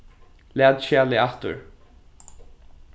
lat skjalið aftur